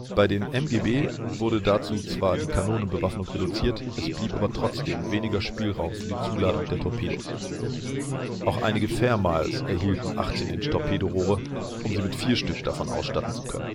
Bei den MGB wurde dazu zwar die Kanonenbewaffnung reduziert, es blieb aber trotzdem weniger Spielraum für die Zuladung der Torpedos. Auch einige Fairmiles erhielten 18 Inch Torpedorohre, um sie mit vier Stück davon ausstatten zu können